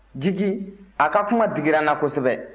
jigi a ka kuma digira n na kosɛbɛ